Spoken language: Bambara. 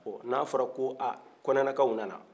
ɔɔ na fɔra ko aa kɔnɛ na kaw nana